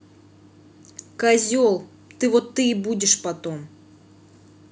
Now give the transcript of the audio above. козел ты вот ты и будешь потом